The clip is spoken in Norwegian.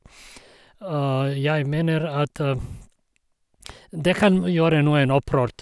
Jeg mener at det kan gjøre noen opprørt.